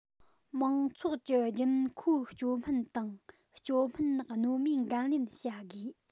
མང ཚོགས ཀྱི རྒྱུན མཁོའི སྤྱོད སྨན དང སྤྱོད སྨན གནོད མེད འགན ལེན བྱ དགོས